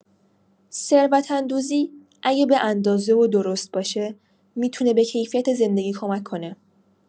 ثروت‌اندوزی اگه به‌اندازه و درست باشه، می‌تونه به کیفیت زندگی کمک کنه.